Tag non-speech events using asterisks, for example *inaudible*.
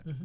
*hesitation* *hesitation*